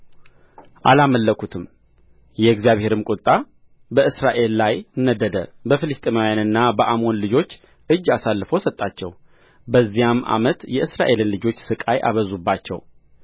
የእግዚአብሔርም ቍጣ በእስራኤል ላይ ነደደ በፍልስጥኤማውያንና በአሞን ልጆች እጅ አሳልፎ ሰጣቸው በዚያም ዓመት የእስራኤልን ልጆች ሥቃይ አበዙባቸው